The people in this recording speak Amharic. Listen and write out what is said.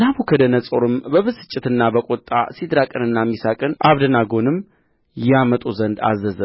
ናቡከደነፆርም በብስጭትና በቍጣ ሲድራቅንና ሚሳቅን አብደናጎንም ያመጡ ዘንድ አዘዘ